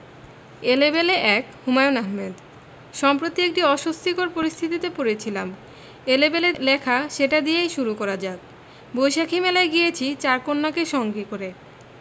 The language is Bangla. এলেবেলে ১ হুমায়ূন আহমেদ সম্প্রতি একটি অস্বস্তিকর পরিস্থিতিতে পড়েছিলাম এলেবেলে লেখা সেটা দিয়েই শুরু করা যাক বৈশাখী মেলায় গিয়েছি চার কন্যাকে সঙ্গে করে